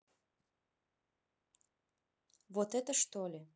вот это что ли